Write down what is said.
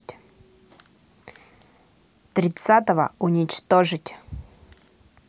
тридцатого уничтожить